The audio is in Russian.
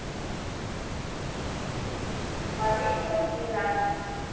смотреть ундина